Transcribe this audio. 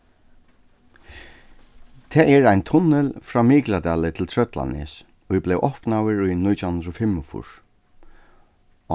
tað er ein tunnil frá mikladali til trøllanes ið bleiv opnaður í nítjan hundrað og fimmogfýrs